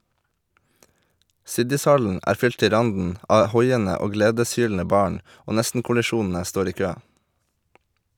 Siddishallen er fylt til randen av hoiende og gledeshylende barn, og nestenkollisjonene står i kø.